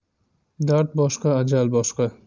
dard boshqa ajal boshqa